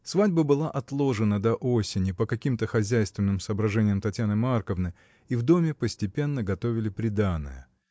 Свадьба была отложена до осени по каким-то хозяйственным соображениям Татьяны Марковны — и в доме постепенно готовили приданое.